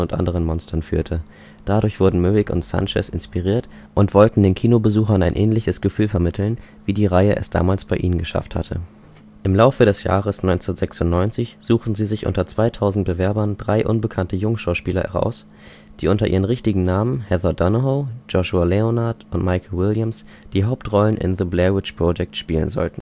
anderen Monstern führte. Dadurch wurden Myrick und Sanchez inspiriert und wollten den Kinobesuchern ein ähnliches Gefühl vermitteln, wie die Reihe es damals bei ihnen geschafft hatte. Im Laufe des Jahres 1996 suchten sie sich unter 2000 Bewerbern drei unbekannte Jungschauspieler aus, die unter ihren richtigen Namen – Heather Donahue, Joshua Leonard und Michael Williams – die Hauptrollen in „ The Blair Witch Project “spielen sollten